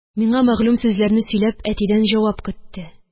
Миңа мәгълүм сүзләрне сөйләп, әтидән җавап көтте